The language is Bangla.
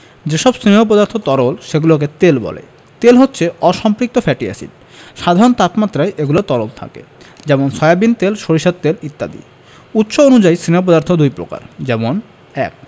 যেসব স্নেহ পদার্থ তরল সেগুলোকে তেল বলে তেল হচ্ছে অসম্পৃক্ত ফ্যাটি এসিড সাধারণ তাপমাত্রায় এগুলো তরল থাকে যেমন সয়াবিন তেল সরিষার তেল ইত্যাদি উৎস অনুযায়ী স্নেহ পদার্থ দুই প্রকার যেমন ১